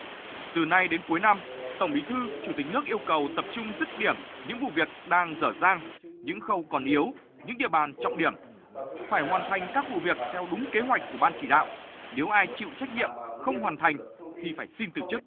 từ nay đến cuối năm tổng bí thư chủ tịch nước yêu cầu tập trung dứt điểm những vụ việc đang dở dang những khâu còn yếu những địa bàn trọng điểm phải hoàn thành các vụ việc theo đúng kế hoạch của ban chỉ đạo nếu ai chịu trách nhiệm không hoàn thành thì phải xin từ chức